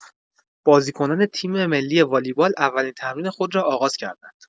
بازیکنان تیم‌ملی والیبال اولین تمرین خود را آغاز کردند.